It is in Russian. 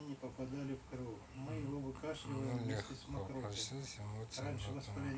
ну легко